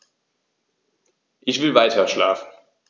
Ich will weiterschlafen.